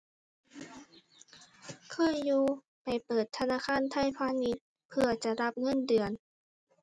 เคยอยู่ ไปเปิดธนาคารไทยพาณิชย์ เพื่อจะรับเงินเดือน